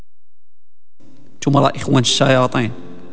المراه اخوان الشياطين